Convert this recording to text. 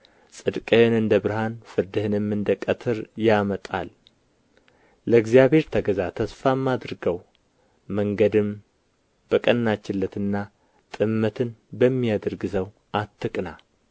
ጽድቅህን እንደ ብርሃን ፍርድህንም እንደ ቀትር ያመጣል ለእግዚአብሔር ተገዛ ተስፋም አድርገው መንገድም በቀናችለትና ጥመትን በሚያደርግ ሰው አትቅና